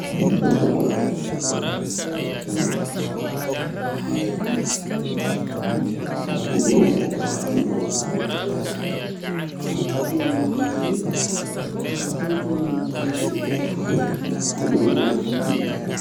Waa dhago eerafoon oo wato makaroofan, dhagaha midabkoodu waa madow kartoonkoodu waa madow oo jaale ah.